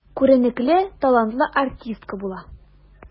Күренекле, талантлы артистка була.